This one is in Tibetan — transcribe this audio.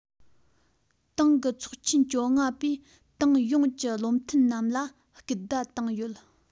ཏང གི ཚོགས ཆེན བཅོ ལྔ པས ཏང ཡོངས ཀྱི བློ མཐུན རྣམས ལ སྐུལ བརྡ བཏང ཡོད